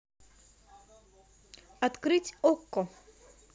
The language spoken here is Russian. открыть окко